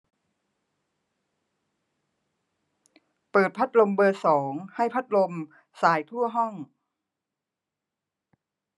เปิดพัดลมเบอร์สองให้พัดลมส่ายทั่วห้อง